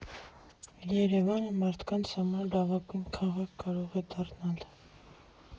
Երևանը մարդկանց համար լավագույն քաղաք կարող է դառնալ։